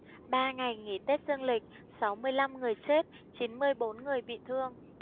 ba ngày nghỉ tết dương lịch sáu mươi lăm người chết chín mươi bốn người bị thương